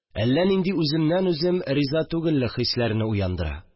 Әллә нинди үземнән үзем риза түгеллек хисләренә уяндыра